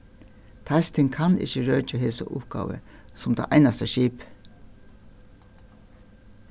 teistin kann ikki røkja hesa uppgávu sum tað einasta skipið